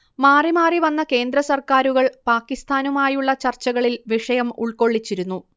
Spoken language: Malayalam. മാറിമാറി വന്ന കേന്ദ്രസർക്കാരുകൾ പാകിസ്താനുമായുള്ള ചർച്ചകളിൽ വിഷയം ഉൾക്കൊള്ളിച്ചിരുന്നു